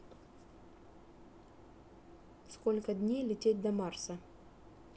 сколько дней лететь до марса